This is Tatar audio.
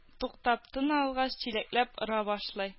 Туктап тын алгач, чиләкләп ора башлый